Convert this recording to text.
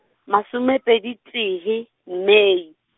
masomepedi tee, Mei.